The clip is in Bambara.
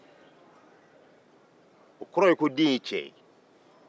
o kɔrɔ ye ko den ye cɛ ye